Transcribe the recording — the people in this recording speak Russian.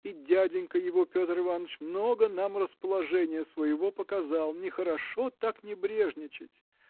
и дяденька его Петр Иваныч много нам расположения своего показал. нехорошо так небрежничать!